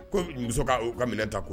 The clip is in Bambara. Ko muso' ka minɛ ta ko